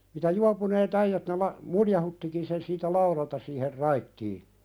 mitä juopuneet äijät ne - muljauttikin sen siitä laudalta siihen raittiin